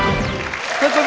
quý vị